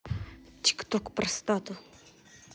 tiktok простату